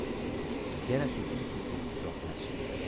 yana sekin sekin uzokdashib ketadi